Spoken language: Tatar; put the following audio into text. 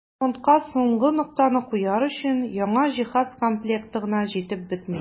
Ремонтка соңгы ноктаны куяр өчен яңа җиһаз комплекты гына җитеп бетми.